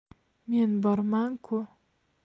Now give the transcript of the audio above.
men borman ku